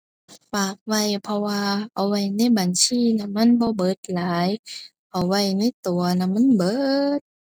ฝากไว้ เพราะว่าเอาไว้ในบัญชีแล้วมันบ่เบิดหลาย เอาไว้ในตัวน่ะมันเบิด